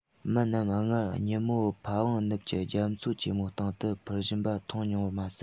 མི རྣམས སྔར ཉིན མོར ཕ ཝང ནུབ ཀྱི རྒྱ མཚོ ཆེན མོའི སྟེང དུ འཕུར བཞིན པ མཐོང མྱོང བ མ ཟད